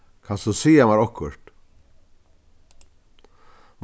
kanst tú siga mær okkurt